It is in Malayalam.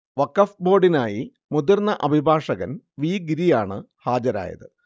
വഖഫ് ബോർഡിനായി മുതിർന്ന അഭിഭാഷകൻ വി ഗിരിയാണ് ഹാജരായത്